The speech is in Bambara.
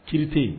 Ci se